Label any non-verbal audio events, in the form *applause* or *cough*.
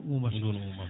umata * *noise*